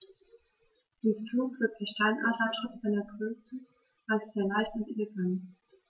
Im Flug wirkt der Steinadler trotz seiner Größe meist sehr leicht und elegant.